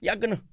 yàgg na